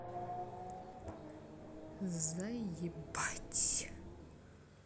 заебать